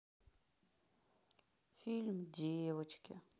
фильм девчонки